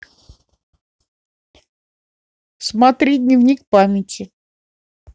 смотреть дневник памяти